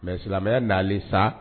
Mɛ silamɛ nali sa